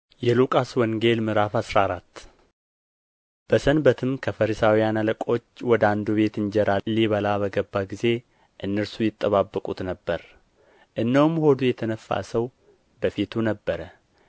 የሉቃስ ወንጌል ምዕራፍ አስራ አራት በሰንበትም ከፈሪሳውያን አለቆች ወደ አንዱ ቤት እንጀራ ሊበላ በገባ ጊዜ እነርሱ ይጠባበቁት ነበር እነሆም ሆዱ የተነፋ ሰው በፊቱ ነበረ